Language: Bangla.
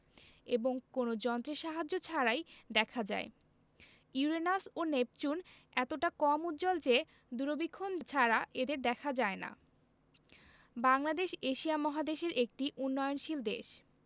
এবং কোনো যন্ত্রের সাহায্য ছাড়াই দেখা যায় ইউরেনাস ও নেপচুন এতটা কম উজ্জ্বল যে দূরবীক্ষণ ছাড়া এদের দেখা যায় না বাংলাদেশ এশিয়া মহাদেশের একটি উন্নয়নশীল দেশ